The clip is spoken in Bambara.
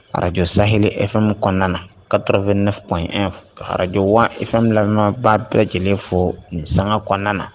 Radio Saheli FM kɔnɔna na 89.1 Radio waa FM fana lamɛ baa bɛɛ lajɛlen fo nin sanga kɔnɔna na